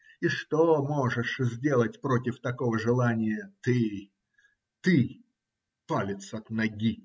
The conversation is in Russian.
И что можешь сделать против такого желания ты, . ты палец от ноги?.